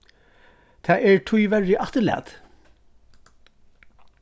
tað er tíverri afturlatið